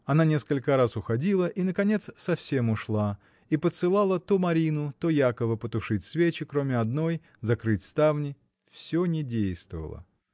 Она несколько раз уходила и наконец совсем ушла и подсылала то Марину, то Якова потушить свечи, кроме одной, закрыть ставни: всё не действовало.